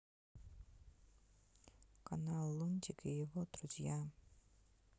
канал лунтик и его друзья